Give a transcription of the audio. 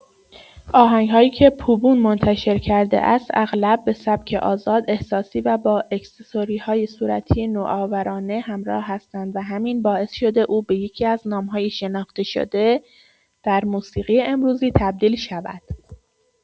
آهنگ‌هایی که پوبون منتشر کرده است، اغلب به سبک آزاد، احساسی و با اکسسوری‌های صوتی نوآورانه همراه هستند و همین باعث شده او به یکی‌از نام‌های شناخته‌شده در موسیقی امروزی تبدیل شود.